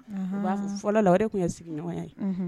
Ba Umu fɔlɔ la o de tun ye sigiɲɔgɔnya ye.